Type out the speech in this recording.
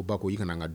U ba k' i ka n ka